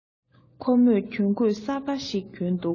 ཁོ མོས གྱོན གོས གསར པ ཞིག གྱོན འདུག